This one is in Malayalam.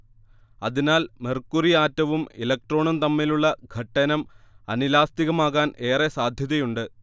അതിനാൽ മെർക്കുറി ആറ്റവും ഇലക്ട്രോണും തമ്മിലുള്ള ഘട്ടനം അനിലാസ്തികമാകാൻ ഏറെ സാധ്യതയുണ്ട്